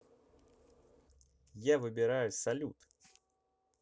я выбираю салют